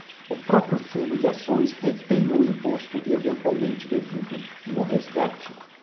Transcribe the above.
o próprio fundo de ações retém o imposto eventualmente devido no resgate